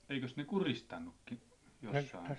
eikös ne kuristanutkin jossakin